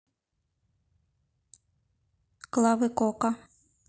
клавы кока